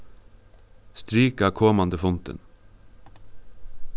strika komandi fundin